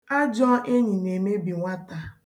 Ajọ enyi na-emebi nwata.